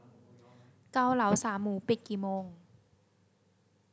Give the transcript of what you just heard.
เกาเหลาสามหมูปิดกี่โมง